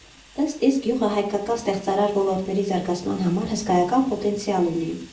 Ըստ իս, գյուղը հայկական ստեղծարար ոլորտների զարգացման համար հսկայական պոտենցիալ ունի։